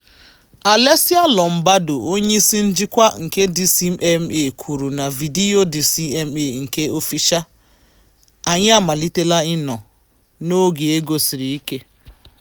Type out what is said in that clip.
Alessia Lombardo, onyeisi njikwa nke DCMA, kwuru na vidiyo DCMA nke dị ọfisha, "Anyị [amaliteela] ịnọ n'oge ego siri ike".